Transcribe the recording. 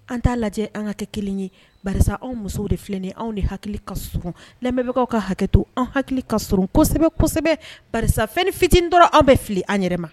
An t'a lajɛ an ka kɛ kelen ye barisa anw musow de filɛ nin ye anw de hakili ka surun lamɛnbagaw ka hakɛto an hakili ka surun kosɛbɛ kosɛbɛ barisa fɛnnin fitinin dɔrɔn anw bɛ fili an yɛrɛ ma